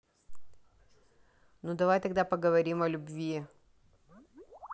ну давай тогда поговорим о любви